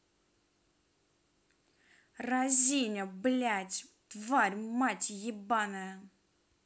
разиня блядь тварь мать ебаная